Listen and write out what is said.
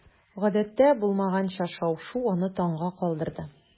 Гадәттә булмаганча шау-шу аны таңга калдырды.